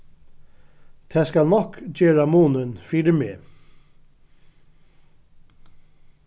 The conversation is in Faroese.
tað skal nokk gera munin fyri meg